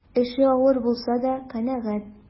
Эше авыр булса да канәгать.